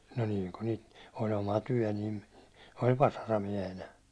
no niin kun niitä oli oma työ niin oli vasaramiehenä